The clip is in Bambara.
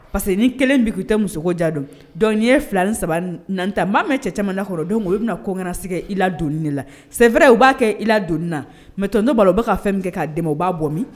Parce que ni kelen bɛ k'i tɛ muso ja dɔn dɔn ye filan saba na tan n b'a mɛn cɛ caman kɔrɔ don i bɛna ko kana segin i la donni la sɛɛrɛ ye u b'a kɛ i la donni na mɛ ton dɔ b'a u bɛ ka fɛn min kɛ k'a dɛmɛ o b'a bɔ min